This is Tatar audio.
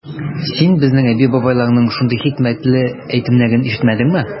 Син безнең әби-бабайларның шундый хикмәтле әйтемнәрен ишетмәдеңме?